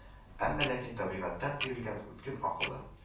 Әмма ләкин табигатьтән бирелгән үткен акылы